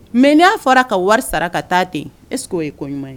Mɛ n y'a fɔra ka wari sara ka taa ten e k'o ye ko ɲuman ye